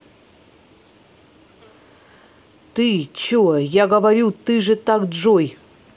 ты че я говорю ты же так джой